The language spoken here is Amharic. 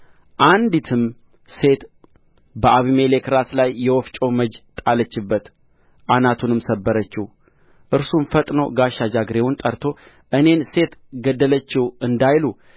አንዲትም ሴት በአቤሜሌክ ራስ ላይ የወፍጮ መጅ ጣለችበት አናቱንም ሰበረችው እርሱም ፈጥኖ ጋሻ ዣግሬውን ጠርቶ እኔን ሴት ገደለችው እንዳይሉ